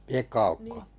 Piekko-Aukko